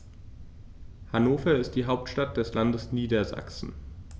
Hannover ist die Hauptstadt des Landes Niedersachsen.